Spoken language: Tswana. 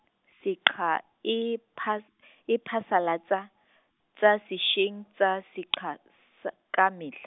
SAQA e phas-, e phasalatsa tsa seseng tsa SAQA, s- ka metlha.